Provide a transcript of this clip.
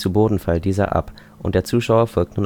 Zu-Boden-Fall dieser ab, und der Zuschauer folgt